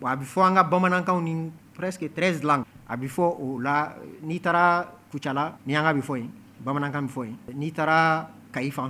Wa a bɛ fɔ an ka bamanankanw na presque 13 langues a bɛ fɔ o la , n'i taara Kucala, Miyankakn bɛ fɔ yen, Bamanankan bɛ fɔ yen, n'i taara Kayi fan